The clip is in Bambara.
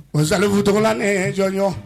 O Salifu Togola nii jɔɲɔn